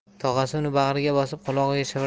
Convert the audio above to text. tog'asi uni bag'riga bosib qulog'iga